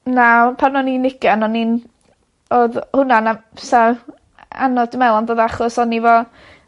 Na o- pan o'n i'n ugen o'n i'n odd hwnna'n amser anodd dwi me'wl am bod achos o'n i efo